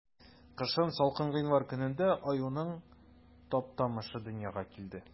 Кышын, салкын гыйнвар көнендә, аюның Таптамышы дөньяга килде.